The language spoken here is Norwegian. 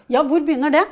ja hvor begynner det?